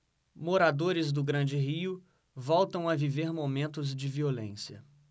moradores do grande rio voltam a viver momentos de violência